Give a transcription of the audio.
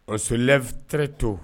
On se lève tres tot